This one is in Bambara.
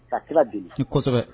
Ka kira deli, kosɛbɛ